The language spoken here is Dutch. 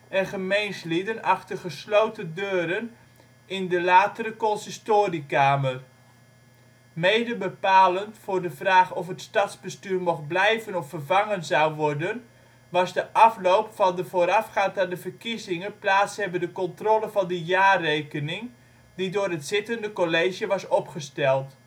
en gemeenslieden achter gesloten deuren in de (latere) consistoriekamer. Medebepalend voor de vraag of het stadsbestuur mocht blijven of vervangen zou worden, was de afloop van de voorafgaand aan de verkiezingen plaatshebbende controle van de jaarrekening, die door het zittende college was opgesteld